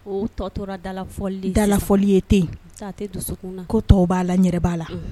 O tɔ tora dalafɔli ye sisan; dalafɔli ye ten; N'o tɛ a tɛ dusukun na; ko tɔ b'a la,n yɛrɛ b'a la.